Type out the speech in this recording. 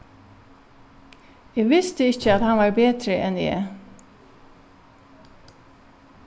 eg visti ikki at hann var betri enn eg